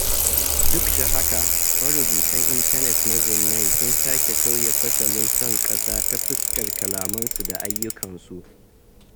Duk da haka, marubutan intanet na Zone9 sun sake sauya fasalin son ƙasa ta fuskar kalamansu da ayyukansu.